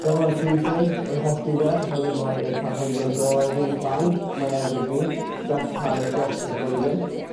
Dyma'r Tree Fern. Rwy'n hoffi oherwydd mae yr planhighion gorau fi yn Clyne. Mae evergreen. Ti gallu ca'l e dros y flwyddyn.